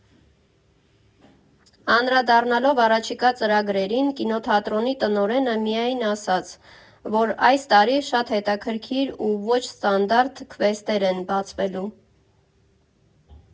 Անդրադառնալով առաջիկա ծրագրերին՝ կինոթատրոնի տնօրենը միայն ասաց, որ այս տարի շատ հետաքրքիր ու ոչ ստանդարտ քվեսթեր են բացվելու։